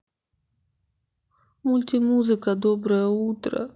мультимузыка доброе утро